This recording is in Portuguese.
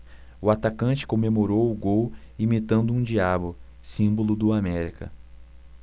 o atacante comemorou o gol imitando um diabo símbolo do américa